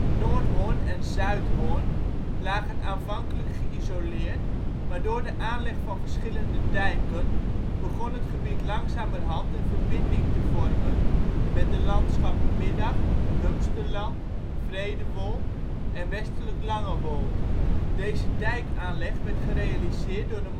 Noordhorn en Zuidhorn lagen aanvankelijk geïsoleerd, maar door de aanleg van verschillende dijken, begon het gebied langzamerhand een verbinding te vormen met de landschappen Middag, Humsterland, Vredewold en Westelijk Langewold. Deze dijkaanleg werd gerealiseerd door